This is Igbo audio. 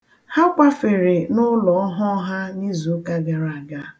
Ha kwafere n'ụlọ ọhụụ ha n'izuụka gara aga.